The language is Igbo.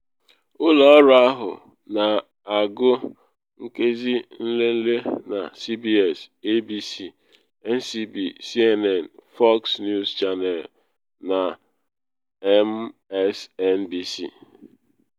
Ụlọ ọrụ ahụ na-agụ nkezi nlele na CBS, ABC, NBC, CNN, Fox News Channel na MSNBC.